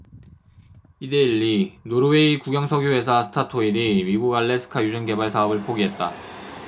이데일리 노르웨이 국영석유회사 스타토일이 미국 알래스카 유전개발 사업을 포기했다